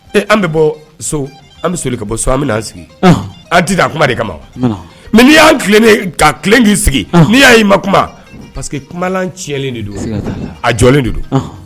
An bɛ bɔ so an bɛ so ka bɔ so an bɛ'an sigi an di a kuma de kama mɛ n'i y'an tilen ka tilen k'i sigi n'i y'a y'i ma kuma pa que kumalan tilen de don a jɔlen de don